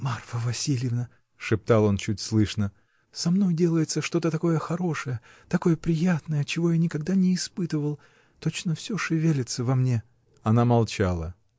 — Марфа Васильевна, — шептал он чуть слышно, — со мной делается что-то такое хорошее, такое приятное, чего я никогда не испытывал. точно всё шевелится во мне. Она молчала.